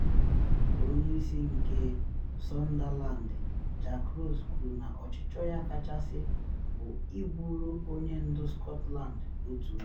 Onye isi nke Sunderland Jack Ross kwuru na “ọchịchọ ya kachasị” bụ ịbụrụ onye ndu Scotland otu oge.